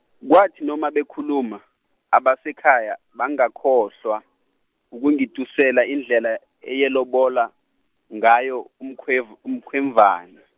kwathi noma bekhuluma, abasekhaya, bangakhohlwa, ukungitusela indlela, ayelobola ngayo umkhwev- umkhwenvana.